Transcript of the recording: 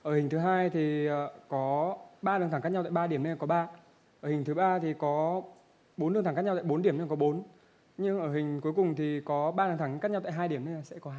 đội hình thứ hai thì có ba đường thẳng cắt nhau tại ba điểm nên là có ba đội hình thứ ba thì có bốn đường thẳng cắt nhau tại bốn điểm nên có bốn nhưng ở hình cuối cùng thì có ba đường thẳng cắt nhau tại hai điểm nên là sẽ có hai